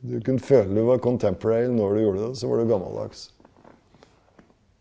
du kunne føle du var når du gjorde det, så var du gammeldags.